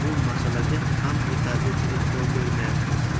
masalaga ham yetarlicha e'tibor bermayapmiz